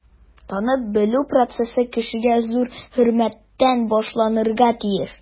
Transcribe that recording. Танып-белү процессы кешегә зур хөрмәттән башланырга тиеш.